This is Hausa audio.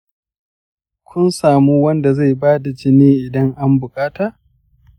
kun samu wanda zai ba da jini idan an buƙata?